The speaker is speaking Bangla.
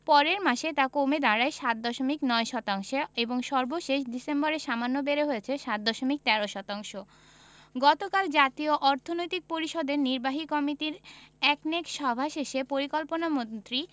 পরের মাসে তা কমে দাঁড়ায় ৭ দশমিক ০৯ শতাংশে এবং সর্বশেষ ডিসেম্বরে সামান্য বেড়ে হয়েছে ৭ দশমিক ১৩ শতাংশ গতকাল জাতীয় অর্থনৈতিক পরিষদের নির্বাহী কমিটির একনেক সভা শেষে পরিকল্পনামন্ত্রী